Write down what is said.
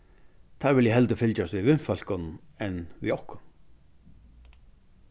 teir vilja heldur fylgjast við vinfólkunum enn við okkum